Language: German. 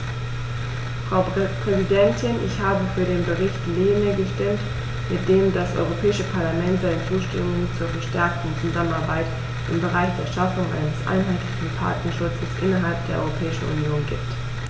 Frau Präsidentin, ich habe für den Bericht Lehne gestimmt, mit dem das Europäische Parlament seine Zustimmung zur verstärkten Zusammenarbeit im Bereich der Schaffung eines einheitlichen Patentschutzes innerhalb der Europäischen Union gibt.